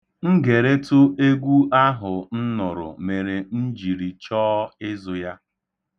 Ngeretụ egwu ahụ m nụrụ mere m jiri chọọ ịzụ ya.